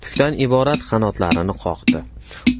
tukdan iborat qanotchalarini qoqdi